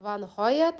va nihoyat